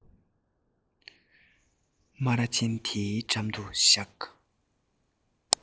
སྨ ར ཅན དེའི འགྲམ དུ བཞག